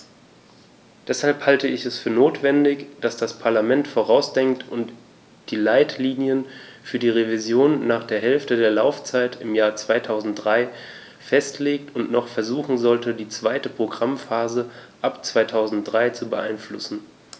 Deshalb halte ich es für notwendig, dass das Parlament vorausdenkt und die Leitlinien für die Revision nach der Hälfte der Laufzeit im Jahr 2003 festlegt und noch versuchen sollte, die zweite Programmphase ab 2003 zu beeinflussen.